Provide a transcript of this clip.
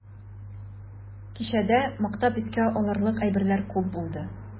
Кичәдә мактап искә алырдай әйберләр күп булды.